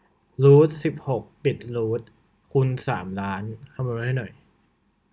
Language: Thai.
รูทสิบหกปิดรูทคูณสามล้านคำนวณให้หน่อย